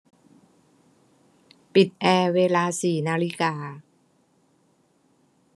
ปิดแอร์เวลาสี่นาฬิกา